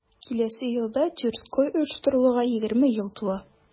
Киләсе елда Тюрксой оештырылуга 20 ел тула.